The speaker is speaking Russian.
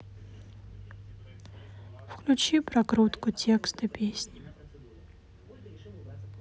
включи прокрутку текста песни